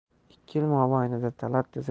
ikki yil mobaynida talat desa